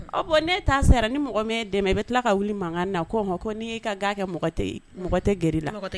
Ɔ ne t'a sera ni mɔgɔ min dɛmɛ i bɛ tila ka wuli mankan na ko n'i ka ga kɛ mɔgɔ mɔgɔ tɛ g la